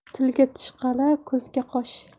tilga tish qal'a ko'zga qosh